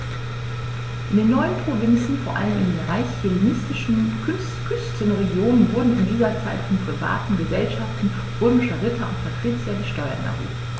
In den neuen Provinzen, vor allem in den reichen hellenistischen Küstenregionen, wurden in dieser Zeit von privaten „Gesellschaften“ römischer Ritter und Patrizier die Steuern erhoben.